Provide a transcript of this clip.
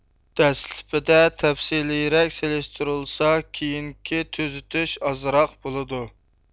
دەسلىپىدە تەپسىلىيرەك سېلىشتۇرۇلسا كېينكى تۈزىتىش ئازراق بولىدۇ